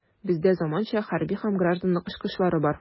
Бездә заманча хәрби һәм гражданлык очкычлары бар.